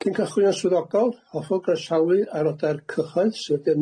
Cyn cychwyn yn swyddogol, hoffwn groesawu aelodau'r cyhoedd sydd